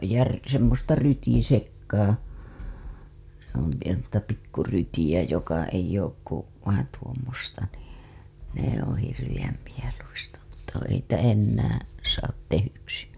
ja - semmoista rytisekaa se on oikein semmoista pikku rytiä joka ei ole kuin vain tuommoista niin ne on hirveän mieluista mutta kun ei niitä enää saa tehdyksi